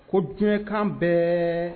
Ko diɲɛkan bɛɛ